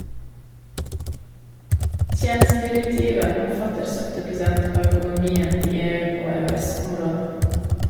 - Tjenestedirektivet omfatter 70 prosent av økonomien i EU og EØS-området.